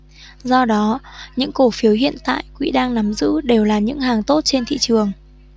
do đó những cổ phiếu hiện tại quỹ đang nắm giữ đều là những hàng tốt trên thị trường